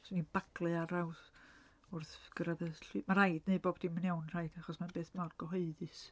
Os o'n i'n baglu ar draws wrth gyrraedd y llwy-. Ma' raid wneud bob dim yn iawn rhaid? Achos ma'n beth mawr cyhoeddus.